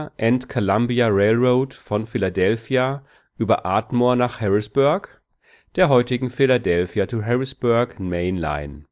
and Columbia Railroad von Philadelphia über Ardmore nach Harrisburg, der heutigen Philadelphia to Harrisburg Main Line